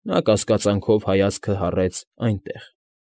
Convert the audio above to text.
Նա կասկածանքով հայացքը հառեց այնտեղ։